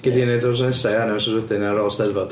Gei di wneud o wythnos nesa ia, neu wythnos wedyn neu ar ôl Steddfod.